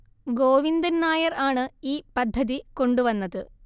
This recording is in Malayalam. ഗോവിന്ദൻ നായർ ആണ് ഈ പദ്ധതി കൊണ്ടുവന്നത്